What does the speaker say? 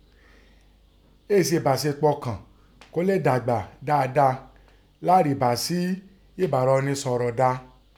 É sí ẹ̀báṣepọ̀ kàn kó lè dàgbà dáadáa láàrì bá sí ìbára ọni sọ̀rọ̀ ọ́ dáa.